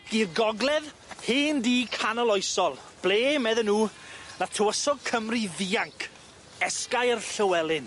I'r gogledd hen dŷ canol oesol ble medden nw nath tywysog Cymru ddianc Esgair Llywelyn.